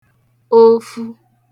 ofu